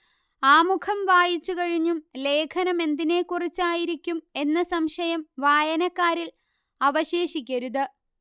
ആമുഖം വായിച്ചുകഴിഞ്ഞും ലേഖനമെന്തിനെക്കുറിച്ചായിരിക്കും എന്ന സംശയം വായനക്കാരിൽ അവശേഷിക്കരുത്